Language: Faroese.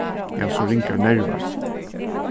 eg havi so ringar nervar